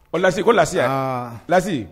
Ɔ Lssi, ko Lasi an. Aa. Lasi.